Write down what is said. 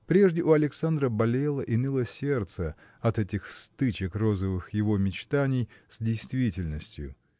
Прежде у Александра болело и ныло сердце от этих стычек розовых его мечтаний с действительностью.